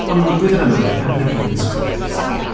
Ond blwyddyn yma, f- I'm going to be an Instagram person.